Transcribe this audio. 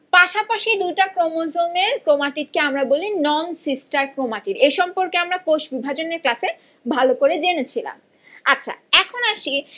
পাশাপাশি দুইটা ক্রোমোজোমের ক্রোমাটিড কে আমরা বলি নন সিস্টার ক্রোমাটিড এ সম্পর্কে আমরা কোষ বিভাজনের ক্লাসে ভালো করে জেনেছিলাম আচ্ছা এখন আসি